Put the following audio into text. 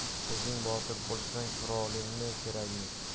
o'zing botir bo'lsang qurolning keragi yo'q